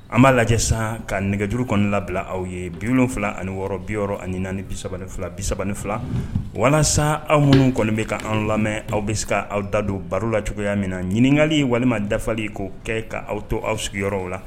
An b'a lajɛ sa ka nɛgɛjuru kɔni labila aw ye bi fila ani wɔɔrɔ bi ani bi3 fila bi3 fila walasa anw minnu kɔni bɛ kaan lamɛn aw bɛ se k aw da don baro la cogoyaya min na ɲininkakali walima dafali ko kɛ' aw to aw sigiyɔrɔ la